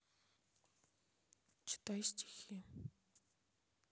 читай стихи